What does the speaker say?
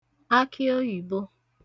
akịoyìbo